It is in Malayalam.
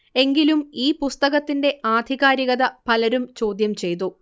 എങ്കിലും ഈ പുസ്തകത്തിന്റെ ആധികാരികത പലരും ചോദ്യം ചെയ്തു